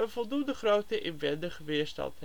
voldoende grote inwendige weerstand